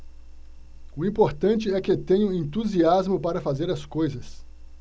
o importante é que tenho entusiasmo para fazer as coisas